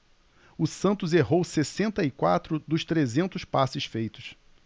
o santos errou sessenta e quatro dos trezentos passes feitos